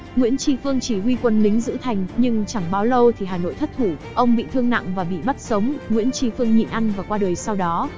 nguyễn tri phương chỉ huy quân lính giữ thành nhưng chẳng bao lâu thì hà nội thất thủ ông bị thương nặng và bị bắt sống nguyễn tri phương nhịn ăn và qua đời sau đó